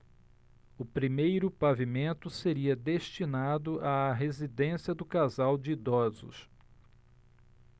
o primeiro pavimento seria destinado à residência do casal de idosos